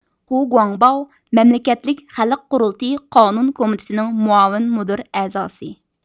خۇ گۇاڭباۋ مەملىكەتلىك خەلق قۇرۇلتىيى قانۇن كومىتېتىنىڭ مۇئاۋىن مۇدىر ئەزاسى